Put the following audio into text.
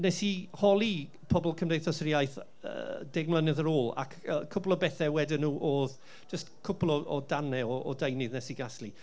wnes i holi pobl Cymdeithas yr Iaith yy deg mlynedd ar ôl ac yy cwpl o bethau wedon nhw oedd, jyst cwpl o o ddarnau o deunydd wnes i gasglu.